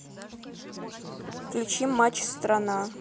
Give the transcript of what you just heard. включи матч страна